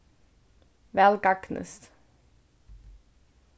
væl gagnist